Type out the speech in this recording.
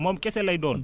moom kese lay doon